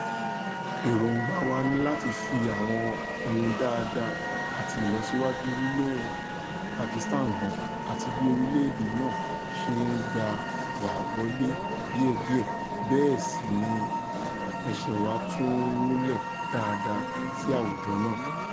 Èròńgbà wa ni láti fi àwọn ohun dáadáa àti ìlọsíwájú orílẹ̀ Pakistan hàn àti bí orílẹ̀-èdè náà ṣe ń gbà wá wọlé díẹ̀díẹ̀ bẹ́ẹ̀ sí ni ẹsẹ̀ wa ti ń múlẹ̀ dáadáa sí i àwùjọ náà.